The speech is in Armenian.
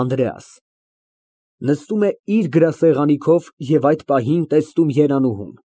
ԱՆԴՐԵԱՍ ֊ (Նստում է իր գրասեղանի քով և այդ պահին տեսնում Երանուհուն)